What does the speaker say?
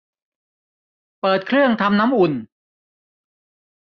เปิดเครื่องทำน้ำอุ่น